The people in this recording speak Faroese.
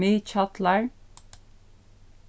miðhjallar